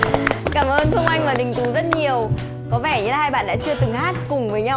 cảm ơn phương oanh và đình tú rất nhiều có vẻ như hai bạn đã chưa từng hát cùng với nhau